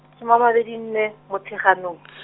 soma a mabedi nne, Motsheganong .